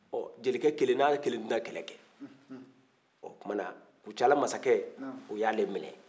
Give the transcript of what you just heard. ɔɔ ni jelikɛ kelen tɛna kɛlɛ kɛ o tumana kucala mansakɛ o y'ale minɛ